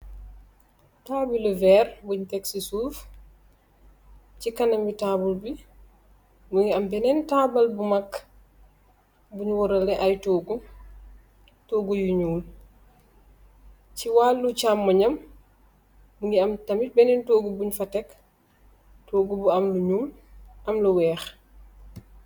taabilu veer buñ texsi suuf ci kanami taabul bi mu ngi am beneen taabal bu mag buñ warale ay togu tóggu yu ñuul ci wàllu chammpi yam mungi am tamit beneen toogu buñ fotek toogu bu lu ñuul am lu weex